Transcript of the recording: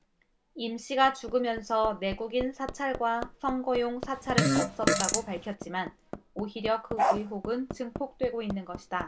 임씨가 죽으면서 내국인 사찰과 선거용 사찰은 없었다고 밝혔지만 오히려 그 의혹은 증폭되고 있는 것이다